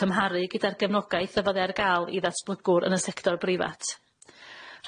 cymharu gyda'r gefnogaeth a fyddai ar ga'l i ddatblygwr yn y sector breifat.